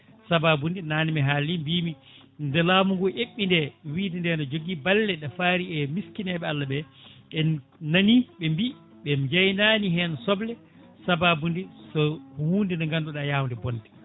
saababude nane mi haali mbimi nde laamu ngu hebɓi nde wiide nde ne jogui balle fari e miskineɓe Allah ɓe en nani ɓe mbi ɓe jenani hen soble sababude so hunde nde ganduɗa yawde bonde